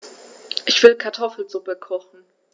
Ich will Kartoffelsuppe kochen.